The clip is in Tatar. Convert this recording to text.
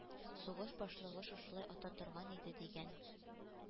«сугыш башлыгы шушылай ата торган иде»,— дигән.